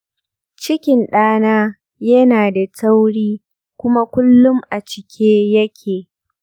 cikin ɗana yana da tauri kuma kullum a cike yake.